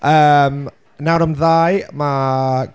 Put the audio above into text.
Yym, nawr am ddau ma'...